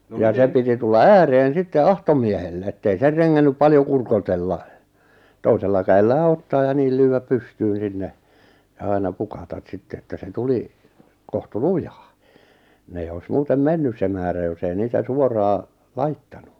ja se piti tulla ääreen sitten automiehelle että ei se rengännyt paljon kurkotella toisella kädellään ottaa ja niin lyödä pystyyn sinne ja aina pukata sitten että se tuli kohtu lujaa ne ei olisi muuten mennyt se määrä jos ei niitä suoraan laittanut